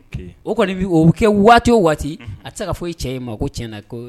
O kɔni bi o bɛ kɛ waati o waati a tɛ se k'a fɔ e cɛ ye ma ko cɛnɲɛna ko